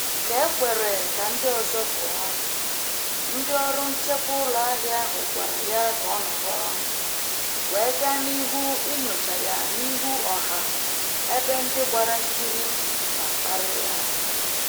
Ka e kwere ka ndị ọzọ pụọ, ndị ọrụ nchekwa ụlọ ahịa ahụ gwara ya ka ọ nọrọ wee gaa n’ihu inyocha ya n’ihu ọha ebe ndị gbara nkiri na-akparị ya.